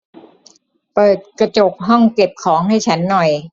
เปิดกระจกห้องเก็บของให้ฉันหน่อย